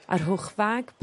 a rhowch fag